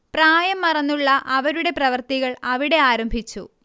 പ്രായം മറന്നുള്ള അവരുടെ പ്രവർത്തികൾ അവിടെ ആരംഭിച്ചു